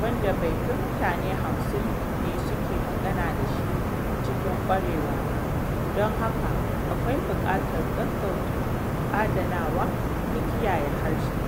wanda bai fi mutane 50 ne suke magana da shi cikin ƙwarewa ba, don haka akwai buƙatar gaggawar adanawa da kiyaye harshen.